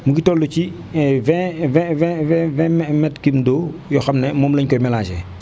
mu ngi toll ci 20 20 20 20 20 mètre cube d' eau yoo xam ne moom la ñu koy mélangé